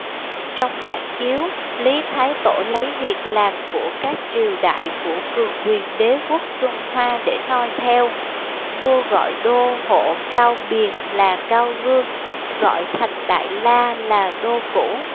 trong bản chiếu lý thái tổ lấy việc làm của các triều đại của cường quyền đế quốc trung hoa để noi theo vua gọi đô hộ cao biền là cao vương gọi thành đại la là đô cũ